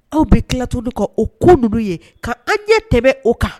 Aw bɛ tila tuguni ka o ko ninnu ye ka an ɲɛ tɛmɛ o kan.